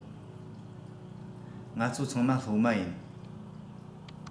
ང ཚོ ཚང མ སློབ མ ཡིན